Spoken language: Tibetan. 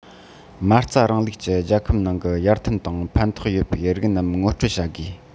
མ རྩ རིང ལུགས ཀྱི རྒྱལ ཁབ ནང གི ཡར ཐོན དང ཕན ཐོགས ཡོད པའི རིགས རྣམས ངོ སྤྲོད བྱ དགོས